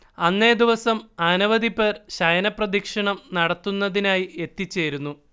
അന്നേ ദിവസം അനവധിപേർ ശയനപ്രദക്ഷിണം നടത്തുന്നതിനായി എത്തിച്ചേരുന്നു